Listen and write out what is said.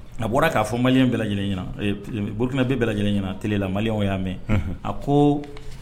A bɔra k'a fɔ mali in bɛ lajɛlen ɲɛna bɛ bɛ lajɛlen ɲɛna tla mali y'a mɛn a ko